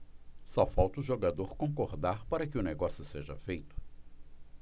só falta o jogador concordar para que o negócio seja feito